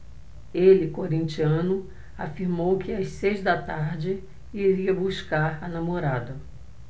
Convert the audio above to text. ele corintiano afirmou que às seis da tarde iria buscar a namorada